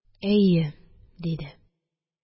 – әйе, – диде.